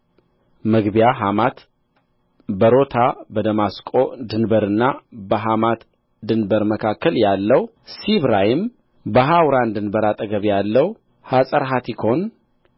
መግቢያ ሐማት ቤሮታ በደማስቆ ድንበርና በሐማት ድንበር መካከል ያለው ሲብራይም በሐውራን ድንበር አጠገብ ያለው ሐጸርሃቲኮን